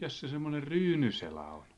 mikäs se semmoinen Ryynyselä on